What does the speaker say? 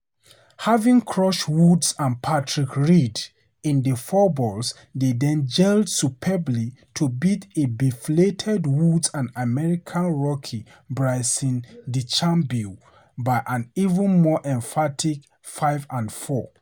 Having crushed Woods and Patrick Reed in the fourballs they then gelled superbly to beat a deflated Woods and American rookie Bryson Dechambeau by an even more emphatic 5&4.